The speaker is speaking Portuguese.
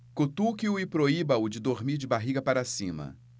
cutuque-o e proíba-o de dormir de barriga para cima